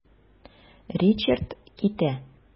Ричард китә.